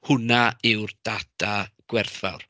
Hwnna yw'r data gwerthfawr.